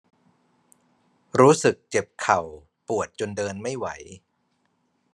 รู้สึกเจ็บเข่าปวดจนเดินไม่ไหว